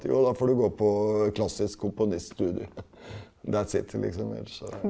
jo da får du gå på klassisk komponiststudie liksom eller så.